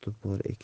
eski quti bor ekan